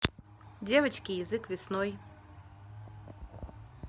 девочки язык весной